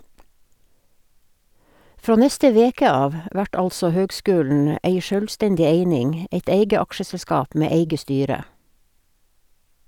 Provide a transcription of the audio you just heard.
Frå neste veke av vert altså høgskulen ei sjølvstendig eining , eit eige aksjeselskap med eige styre.